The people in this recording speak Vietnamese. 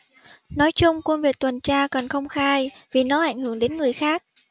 nói chung công việc tuần tra cần công khai vì nó ảnh hưởng đến người khác